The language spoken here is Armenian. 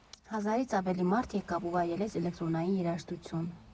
Հազարից ավելի մարդ եկավ ու վայելեց էլեկտրոնային երաժշտություն։